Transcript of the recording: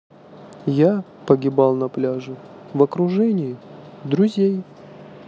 я погибал на пляже в окружении друзей